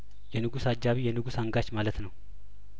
የንጉስ አጃቢ የንጉስ አንጋች ማለት ነው